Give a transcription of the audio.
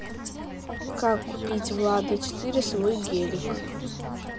как купить влада четыре свой гелик